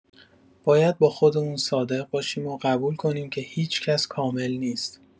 باید با خودمون صادق باشیم و قبول کنیم که هیچ‌کس کامل نیست.